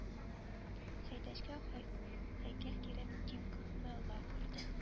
Сәйдәшкә һәйкәл кирәк дип күпме лаф ордык